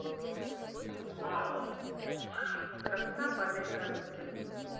красота по американски